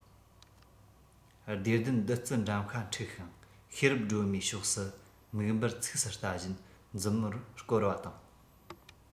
བདེ ལྡན བདུད རྩི འགྲམ ཤ འཁྲིགས ཤིང ཤེས རབ སྒྲོལ མའི ཕྱོགས སུ མིག འབུར ཚུགས སུ ལྟ བཞིན མཛུབ མོར བསྐོར བ དང